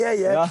Ie ie.